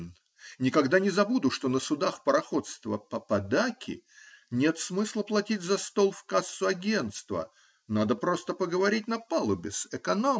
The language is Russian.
Никогда не забуду, что на судах пароходства Паппадаки нет смысла платить за стол в кассу агентства: надо просто поговорить на палубе с экономом.